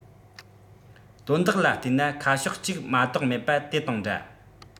དོན དག ལ བལྟས ན ཁ ཕྱོགས གཅིག མ གཏོགས མེད པ དེ དང འདྲ